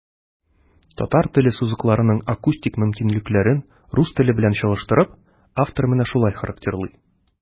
Татар теле сузыкларының акустик мөмкинлекләрен, рус теле белән чагыштырып, автор менә шулай характерлый.